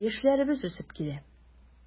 Яшьләребез үсеп килә.